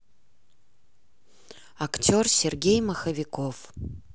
актер сергей маховиков